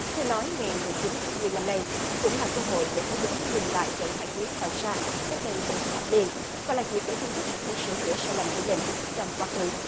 thư nói ngày mười chín tháng giêng năm nay cũng là cơ hội để thế giới nhìn lại trận hải chiến hoàng sa cách đây bốn thập niên và là dịp để trung quốc có thể sửa chữa sai lầm của mình trong quá khứ